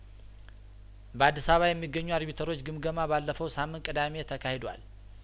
በአዲስ አባ የሚገኙ አርቢ ተሮች ግምገማ ባለፈው ሳምንት ቅዳሜ ተካሂዷል